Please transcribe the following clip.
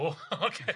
O ocê.